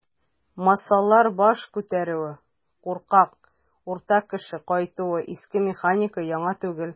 "массалар баш күтәрүе", куркак "урта кеше" кайтуы - иске механика, яңа түгел.